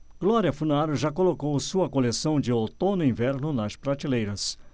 glória funaro já colocou sua coleção de outono-inverno nas prateleiras